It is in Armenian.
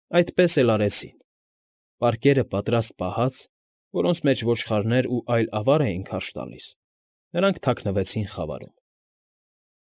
Այդպես էլ արեցին։ Պարկերը պատրաստ պահած, որոնց մեջ ոչխարներ ու այլ ավար էին քարշ տալիս, նրանք թաքնվեցին խավարում։